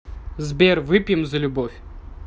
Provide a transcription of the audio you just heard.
сбер выпьем за любовь